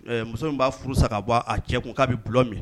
Muso in b'a furu san ka bɔ a cɛ kun k'a bɛ bulonlɔ min